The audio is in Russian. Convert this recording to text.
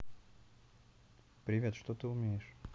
привет что ты умеешь